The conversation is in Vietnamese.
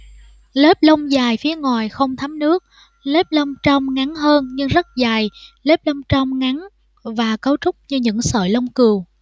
lớp lông dài phía ngoài không thấm nước lớp lông trong ngắn hơn nhưng rất dày lớp lông trong ngắn và cấu trúc như những sợi lông cừu